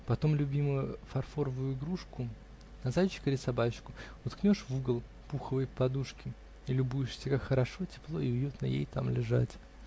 Потом любимую фарфоровую игрушку -- зайчика или собачку -- уткнешь в угол пуховой подушки и любуешься, как хорошо, тепло и уютно ей там лежать.